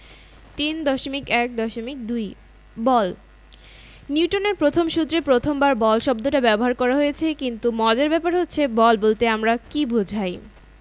৩.১.২ বল নিউটনের প্রথম সূত্রে প্রথমবার বল শব্দটা ব্যবহার করা হয়েছে কিন্তু মজার ব্যাপার হচ্ছে বল বলতে আমরা কী বোঝাই